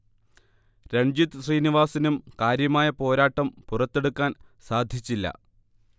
രൺജിത് ശ്രീനിവാസിനും കാര്യമായ പോരാട്ടം പുറത്തെടുക്കാൻ സാധച്ചില്ല